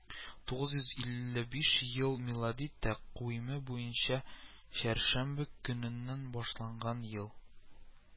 Тугыз йөз илле биш ел милади тәкъвиме буенча чәршәмбе көненнән башланган ел